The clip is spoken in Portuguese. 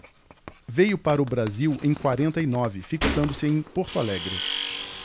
veio para o brasil em quarenta e nove fixando-se em porto alegre